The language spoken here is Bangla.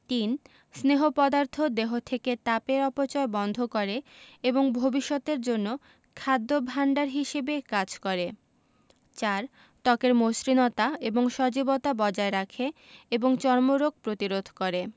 ৩. স্নেহ পদার্থ দেহ থেকে তাপের অপচয় বন্ধ করে এবং ভবিষ্যতের জন্য খাদ্য ভাণ্ডার হিসেবে কাজ করে ৪. ত্বকের মসৃণতা এবং সজীবতা বজায় রাখে এবং চর্মরোগ প্রতিরোধ করে